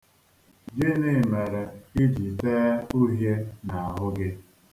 Gịnị mere i ji tee uhie n'ahụ gị?